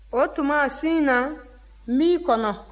o tuma su in na n b'i kɔnɔ